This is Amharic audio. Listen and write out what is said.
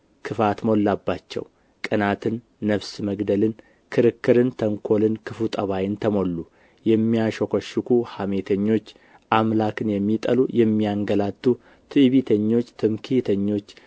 ክፋት ሞላባቸው ቅናትን ነፍስ መግደልን ክርክርን ተንኰልን ክፉ ጠባይን ተሞሉ የሚያሾከሹኩ ሐሜተኞች አምላክን የሚጠሉ የሚያንገላቱ ትዕቢተኞች ትምክህተኞች